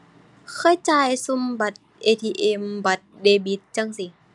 เคยจ่ายซุมบัตร ATM บัตรเดบิตจั่งซี้